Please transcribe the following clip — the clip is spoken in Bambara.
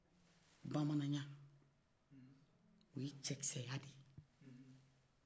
bamanan ya o ye cɛkisɛya den ye